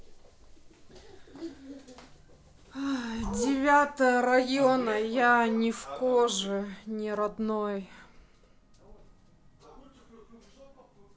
девятая района я не в коже не родной